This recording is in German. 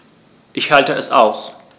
Ich schalte es aus.